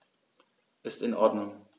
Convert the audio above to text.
Ist in Ordnung.